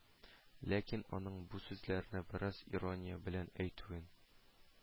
Ләкин аның бу сүзләрне бераз ирония белән әйтүен